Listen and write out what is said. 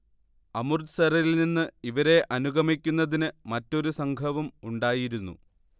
അമൃത്സറിൽനിന്ന് ഇവരെ അനുഗമിക്കുന്നതിന് മറ്റൊരു സംഘവും ഉണ്ടായിരുന്നു